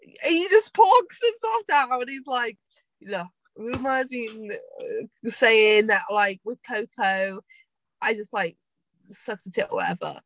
He just plonks himself down and he's like, "look, rumours have been saying that like with Coco, I just like, sucked her tit or whatever."